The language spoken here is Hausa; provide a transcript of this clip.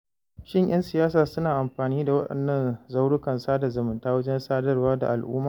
Shin 'yan siyasa suna amfani da waɗannan zaurukan sada zumunta wajen sadarwa da al'umma?